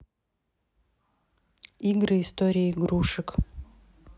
игры история игрушек